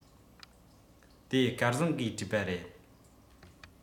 དེ སྐལ བཟང གིས བྲིས པ རེད